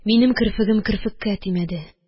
Минем керфегем керфеккә тимәде.